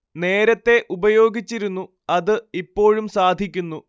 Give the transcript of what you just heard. നേരത്തേ ഉപയോഗിച്ചിരുന്നു അത് ഇപ്പോഴും സാധിക്കുന്നു